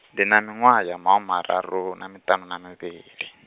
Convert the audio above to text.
ndi na miṅwaha ya mahumimararu na miṱanu na mivhili.